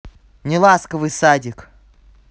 неласковый садик